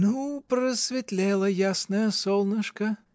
— Ну, просветлело ясное солнышко!